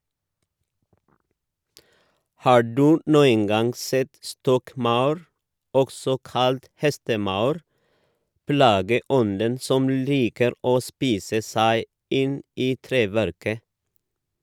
Har du noen gang sett stokkmaur, også kalt hestemaur, plageånden som liker å spise seg inn i treverket?